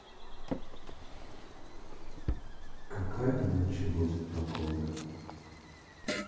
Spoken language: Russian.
какая ночью будет погода